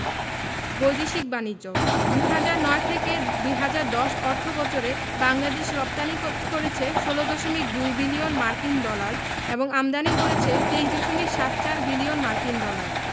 বৈদেশিক বাণিজ্যঃ ২০০৯ ১০ অর্থবছরে বাংলাদেশ রপ্তানি করেছে ১৬দশমিক ২ বিলিয়ন মার্কিন ডলার এবং আমদানি করেছে ২৩দশমিক সাত চার বিলিয়ন মার্কিন ডলার